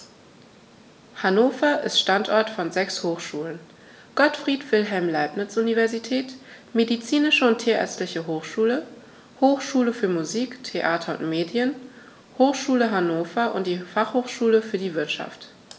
Hannover ist Standort von sechs Hochschulen: Gottfried Wilhelm Leibniz Universität, Medizinische und Tierärztliche Hochschule, Hochschule für Musik, Theater und Medien, Hochschule Hannover und die Fachhochschule für die Wirtschaft.